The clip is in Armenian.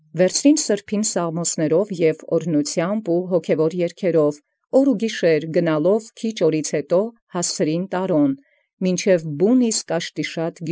Բարձեալ զսուրբն սաղմոսիւք և աւրհնութեամբ և հոգևոր բարբառով, յետ սակաւ ինչ աւուրց ընդ տիւ և ընդ գիշեր ի Տարաւն հասուցանէին մինչ ի բուն իսկ գիւղն յԱշտիշատ։